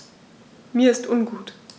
Mir ist ungut.